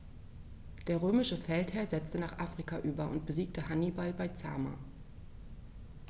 Der römische Feldherr setzte nach Afrika über und besiegte Hannibal bei Zama.